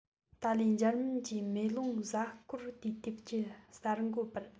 ཏཱ ལས འཇར མན གྱི མེ ལོང གཟའ འཁོར དུས དེབ ཀྱི གསར འགོད པར